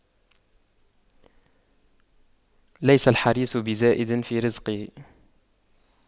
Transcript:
ليس الحريص بزائد في رزقه